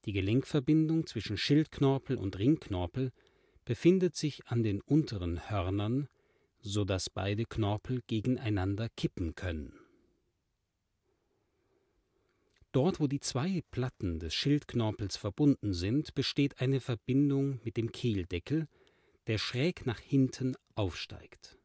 Gelenkverbindung zwischen Schildknorpel und Ringknorpel befindet sich an den unteren Hörnern, so dass beide Knorpel gegeneinander kippen können. Dort, wo die zwei Platten des Schildknorpels verbunden sind, besteht eine Verbindung mit dem Kehldeckel, der schräg nach hinten aufsteigt